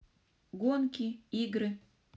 гонки игры